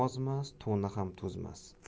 ozmas to'ni ham to'zmas